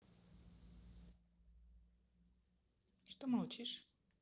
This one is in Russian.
что молчишь